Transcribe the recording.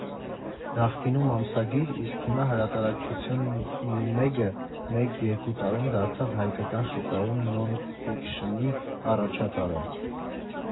Նախկինում ամսագիր, իսկ հիմա հրատարակչություն Նյումեգը մեկ֊երկու տարում դարձավ հայկական շուկայում նոն֊ֆիքշնի առաջատարը։